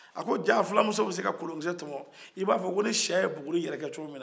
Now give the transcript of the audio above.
a ka jaa fulamuso bɛ se ka kolonkisɛ tɔmɔn i b'a fɔ ko siyɛ bɛ buguri yɛrɛkɛ cogo min na